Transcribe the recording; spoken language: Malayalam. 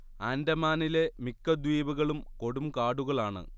ആൻഡമാനിലെ മിക്ക ദ്വീപുകളും കൊടുംകാടുകളാണ്